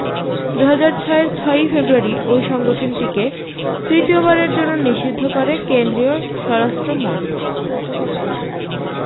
দু হাজার ছয়ের ছয়ৈ ফেব্রুয়ারি ওই সংগঠনটিকে তৃতীয়বারের জন্য নিষিদ্ধ করে কেন্দ্রীয় স্বরাষ্ট্রমন্ত্রক